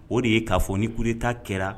O de ye ka fɔ ni coup de' Être kɛra